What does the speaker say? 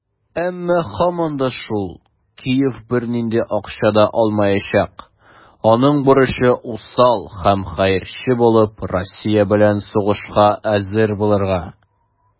Әмма, һаман да шул, Киев бернинди акча да алмаячак - аның бурычы усал һәм хәерче булып, Россия белән сугышка әзер булырга.